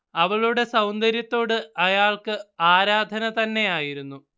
അവളുടെ സൗന്ദര്യത്തോട് അയാൾക്ക് ആരാധന തന്നെ ആയിരുന്നു